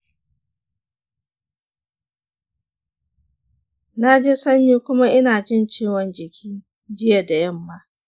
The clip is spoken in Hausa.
na ji sanyi kuma ina jin ciwon jiki jiya da yamma.